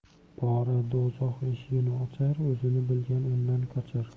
pora do'zax eshigini ochar o'zini bilgan undan qochar